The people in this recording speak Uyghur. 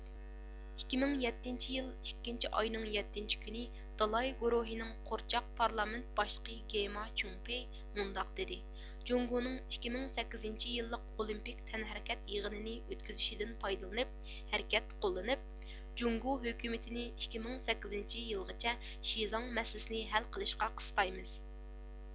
ئىككى مىڭ يەتتىنچى يىل ئىككىنچى ئاينىڭ يەتتىنچى كۈنى دالاي گۇرۇھىنىڭ قورچاق پارلامېنت باشلىقى گېماچۈڭپېي مۇنداق دېدى جۇڭگونىڭ ئىككى مىڭ سەككىزىنچى يىللىق ئولىمپىك تەنھەركەت يېغىنىنى ئۆتكۈزۈشىدىن پايدىلىنىپ ھەرىكەت قوللىنىپ جۇڭگو ھۆكۈمىتىنى ئىككى مىڭ سەككىزىنچى يىلغىچە شىزاڭ مەسىلىسىنى ھەل قىلىشقا قىستايمىز